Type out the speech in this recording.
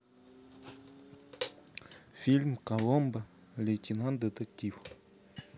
фильм коломбо лейтенант детектив